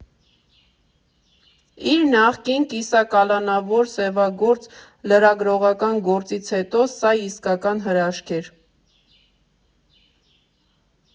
Իր նախկին՝ կիսակալանավոր, սևագործ լրագրողական գործից հետո սա իսկական հրաշք էր։